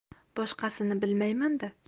boshqasini bilmayman da